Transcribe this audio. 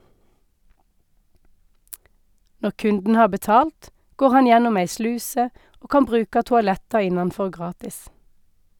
Når kunden har betalt, går han gjennom ei sluse, og kan bruka toaletta innanfor gratis.